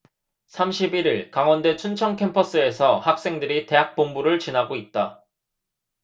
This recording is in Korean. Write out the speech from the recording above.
삼십 일 일 강원대 춘천캠퍼스에서 학생들이 대학본부를 지나고 있다